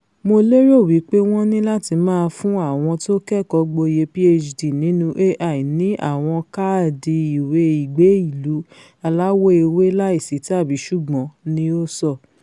Mo lérò wí pé wọ́n ní làtí máa fún àwọn tó kẹ́kọ̀ọ́ gboyè PhD nínú AI ni àwọn káàdi ìwé ìgbé-ìlú aláwọ̀ ewé láìsí tàbí-ṣùgbọ́n, ni ó sọ.